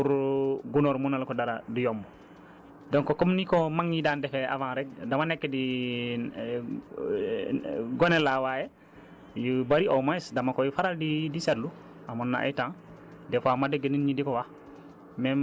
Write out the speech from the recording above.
waaye boo koy boo koy kii bu dëgëree même bu saxee sax pour gunóor munal ko dara du yomb donc comme ni ko mag ñi daan defee avant rek dama nekk di gone laa waaye yu bëri au moins dama koy faral di di seetlu